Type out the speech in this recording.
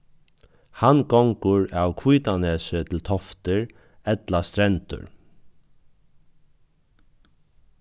hann gongur av hvítanesi til toftir ella strendur